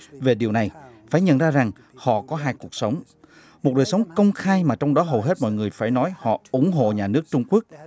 về điều này phải nhận ra rằng họ có hai cuộc sống một đời sống công khai mà trong đó hầu hết mọi người phải nói họ ủng hộ nhà nước trung quốc